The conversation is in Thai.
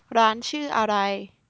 ร้านชื่ออะไร